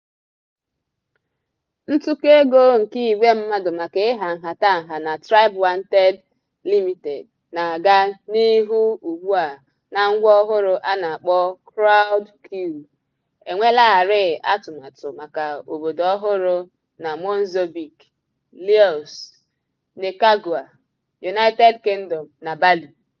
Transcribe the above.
Ntụkọ-ego nke igwe mmadụ maka ịha nhatanha na TribeWanted Ltd na-aga n'ihu ugbua na ngwa ọhụrụ a na-akpọ Crowdcube, enweelarịị atụmatụ maka obodo ọhụrụ na Mozambique, Laos, Nicaragua, United Kingdom na Bali.